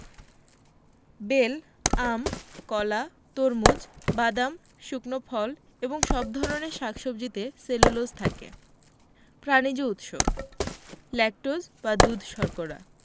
bell আম কলা তরমুজ বাদাম শুকনো ফল এবং সব ধরনের শাক সবজিতে সেলুলোজ থাকে প্রানিজ উৎস ল্যাকটোজ বা দুধ শর্করা